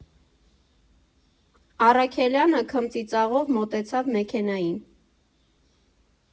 Առաքելյանը քմծիծաղով մոտեցավ մեքենային։